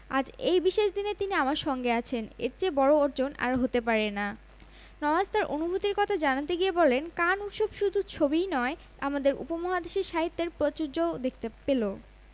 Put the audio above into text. সম্প্রতি Marvel studio প্রযোজিত Avengers Infinity War Hollywood ছবিটি বক্স অফিসে ব্যাপক আয় করছে সিনেমা হল থেকে সোশ্যাল মিডিয়া আট থেকে আশি সকলের মুখেই এই ছবির কথা ঘুরে বেড়াচ্ছে